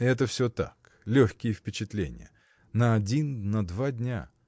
— Это всё так, легкие впечатления: на один, на два дня.